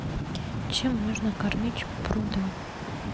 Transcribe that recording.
чем можно кормить пруда